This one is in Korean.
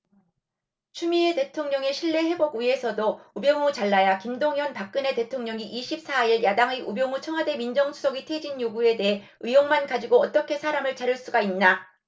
추미애 대통령에 신뢰 회복위해서도 우병우 잘라야김동현 박근혜 대통령이 이십 사 일 야당의 우병우 청와대 민정수석의 퇴진요구에 대해 의혹만 가지고 어떻게 사람을 자를 수가 있나